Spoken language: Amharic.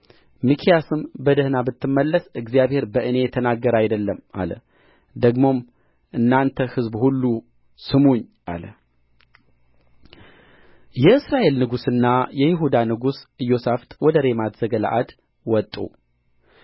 ሚክያስም በደህና ብትመለስ እግዚአብሔር በእኔ የተናገረ አይደለም አለ ደግሞም እናንተ ሕዝብ ሁሉ ስሙኝ አለ የእስራኤል ንጉሥና የይሁዳ ንጉሥ ኢዮሣፍጥ ወደ ሬማት ዘገለዓድ ወጡ